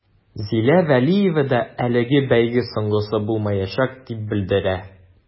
Зилә вәлиева да әлеге бәйге соңгысы булмаячак дип белдерә.